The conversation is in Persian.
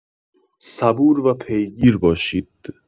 صبور و پیگیر باشید.